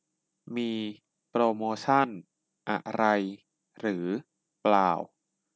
มีโปรโมชั่นอะไรหรือเปล่า